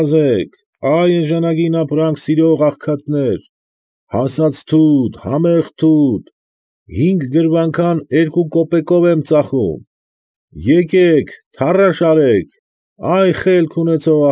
Վազեք, ա՛յ էժանագին ապրանք սիրող աղքատներ, հասած թութ, համեղ թութ, հինգ գրվանքան երկու կոպեկով եմ ծախում, եկեք, թառաշ արեք, այ խելք ունեցող։